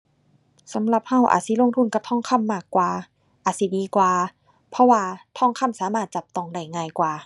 สำหรับเราอาจสิลงทุนกับทองคำมากกว่า อาจสิดีกว่า เพราะว่าทองคำสามารถจับต้องได้ง่ายกว่า